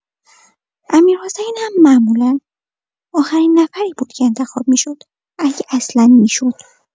امیرحسین هم معمولا آخرین نفری بود که انتخاب می‌شد، اگه اصلا می‌شد.